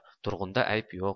turg'unda ayb yo'q